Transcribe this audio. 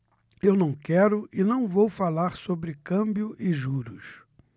eu não quero e não vou falar sobre câmbio e juros